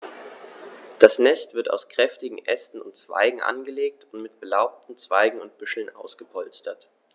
Das Nest wird aus kräftigen Ästen und Zweigen angelegt und mit belaubten Zweigen und Büscheln ausgepolstert.